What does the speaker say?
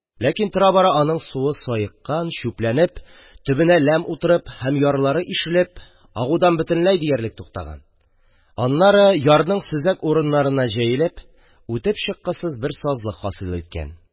Ләкин тора-бара аның суы саеккан, чүпләнеп, төбенә ләм утырып һәм ярлары ишелеп, агудан бөтенләй диярлек туктаган, аннары ярның сөзәк урыннарына җәелеп, үтеп чыккысыз бер сазлык хасил иткән.